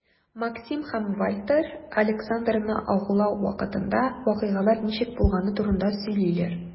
Максим һәм Вальтер Александрны агулау вакытында вакыйгалар ничек булганы турында сөйлиләр.